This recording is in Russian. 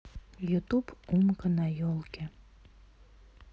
ютуб умка на елке